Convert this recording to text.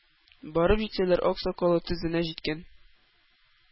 Барып җитсәләр, ак сакалы тезенә җиткән,